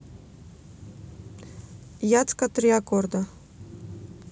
яцко три аккорда